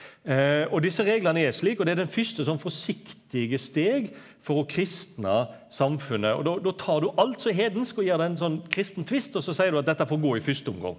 og desse reglane er slik og det er den fyrste sånn forsiktige steg for å kristna samfunnet og då då tar du alt som er heidensk og gjev det ein sånn kristen tvist og så seier du at dette får gå i fyrste omgang.